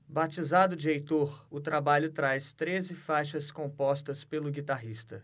batizado de heitor o trabalho traz treze faixas compostas pelo guitarrista